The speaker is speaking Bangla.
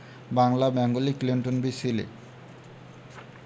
Bangla Bengali Clinton B Seely